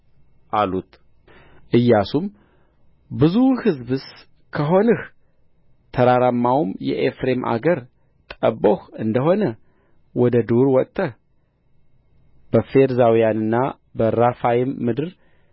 አሉት ኢያሱም ብዙ ሕዝብስ ከሆንህ ተራራማውም የኤፍሬም አገር ጠብቦህ እንደ ሆነ ወደ ዱር ወጥተህ በፌርዛውያንና በራፋይም ምድር